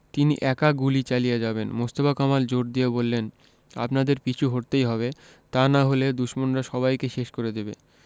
তিনি একা গুলি চালিয়ে যাবেন মোস্তফা কামাল জোর দিয়ে বললেন আপনাদের পিছু হটতেই হবে তা না হলে দুশমনরা সবাইকে শেষ করে দেবে